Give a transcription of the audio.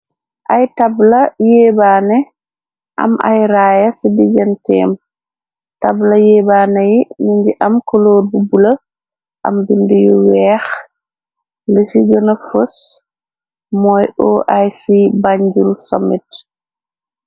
Ay tabla yéebaane am ay raaya ci dijantéem. Tabla yéebaané yi ni ngi am koloor bu bulo am bind yu weex, li ci gëna fos mooy oic bànjul sommit.